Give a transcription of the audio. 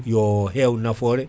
yo heew nafore